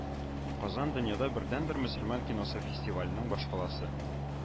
Казан дөньяда бердәнбер мөселман киносы фестиваленең башкаласы